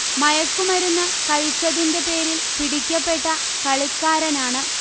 മയക്കുമരുന്ന്കഴിച്ചതിന്റെ പേരിൽ പിടിക്കപ്പെട്ട കളിക്കാരനാണ്